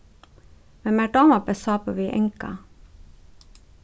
men mær dámar best sápu við anga